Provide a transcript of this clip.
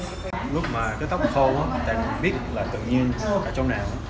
lúc mà cái tóc khô là mình biết là tự nhiên ở trong não